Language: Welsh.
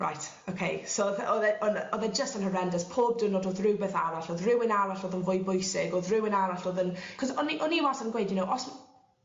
Reit oce so 'dd o'dd e o'n o'dd e jyst yn horrendous pob diwrnod o'dd rywbeth arall o'dd rhywun arall o'dd yn fwy bwysig o'dd rywun arall o'dd yn 'c'os o'n i o'n i wastad yn gweud you know os m-